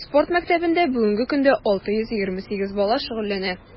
Спорт мәктәбендә бүгенге көндә 628 бала шөгыльләнә.